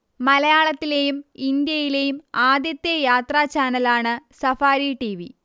മലയാളത്തിലെയും ഇന്ത്യയിലെയും ആദ്യത്തെ യാത്രാചാനലാണ് സഫാരി ടിവി